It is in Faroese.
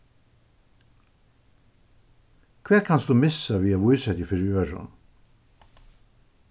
hvat kanst tú missa við at vísa teg fyri øðrum